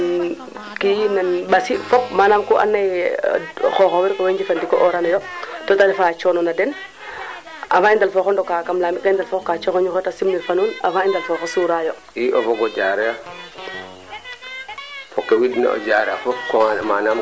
yasam i muukin no alkhadoulila rabil alamin no paxel roog fo no yirmande um rooga jegaan rooga waagan yasama fi'in comme a teɓ soom i teerwoogu mbugin lool no xeeñ in rooga deɓana in no jam yasam te ci'ya in koy o wodola i njalit na